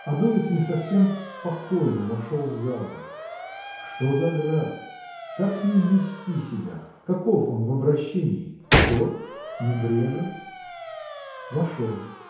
Адуев не совсем покойно вошел в залу. Что за граф? Как с ним вести себя? каков он в обращении? горд? небрежен? Вошел.